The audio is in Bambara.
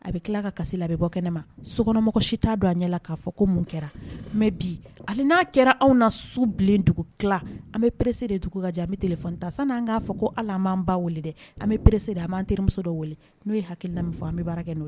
A bɛ tila ka kasi la a bɛ bɔ kɛnɛ ne ma sokɔnɔmɔgɔ si t'a don a ɲɛ k'a fɔ ko mun kɛra mɛ bi ali n'a kɛra anw na subilen dugu tila an bɛ perese de dugu an bɛ tele ta san n'an k'a fɔ ko ala'an ba weele dɛ an bɛerese de an'an terimuso dɔ weele n'o ye hakili lamɛnmi fɔ an bɛ baara kɛ